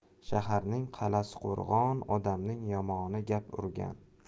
shaharning qa'lasi qo'rg'on odamning yomoni gap urgan